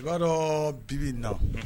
I b'a dɔn bibi na